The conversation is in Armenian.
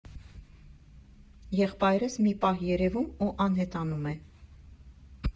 Եղբայրս մի պահ երևում ու անհետանում է։